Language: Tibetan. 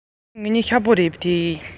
དེའི ནང ནས ང རང ཉན པ སྤྲོ བ ནི